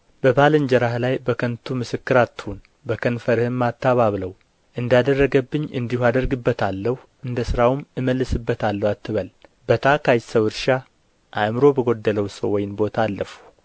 በባልንጀራህ ላይ በከንቱ ምስክር አትሁን በከንፈርህም አታባብለው እንዳደረገብኝ እንዲሁ አደርግበታለሁ እንደ ሥራውም እመልስበታለሁ አትበል በታካች ሰው እርሻ አእምሮ በጐደለውም ሰው ወይን ቦታ አለፍሁ